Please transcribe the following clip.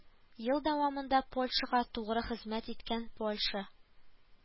Ел дәвамында польшага тугры хезмәт иткән польша